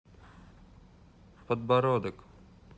подбородок